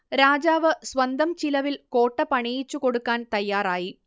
രാജാവ് സ്വന്തം ചിലവിൽ കോട്ട പണിയിച്ചു കൊടുക്കാൻ തയ്യാറായി